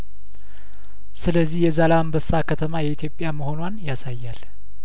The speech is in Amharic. ስለዚህ የዛል አንበሳ ከተማ የኢትዮጵያ መሆኗን ያሳያል